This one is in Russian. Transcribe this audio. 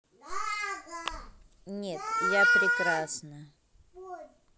нет я прекрасная